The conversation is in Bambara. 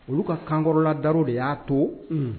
Olu ka kankɔrɔla daro y'a to